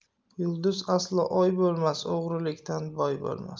yulduz aslo oy bo'lmas o'g'rikdan boy bo'lmas